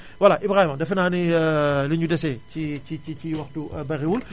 voilà Ibrahima defenaa ni li ñu dese ci ci ci ci waxtu bariwul